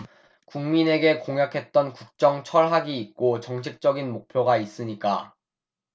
국민에게 공약했던 국정 철학이 있고 정책적인 목표가 있으니까